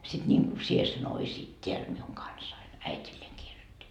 sitten niin kuin sinä sen olisit täällä minun kanssani äidilleen kirjoitti